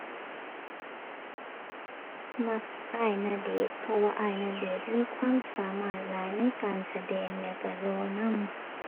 มักอ้ายณเดชน์ เพราะว่าอ้ายณเดชน์มีความสามารถหลายในการแสดงแล้วก็หล่อนำ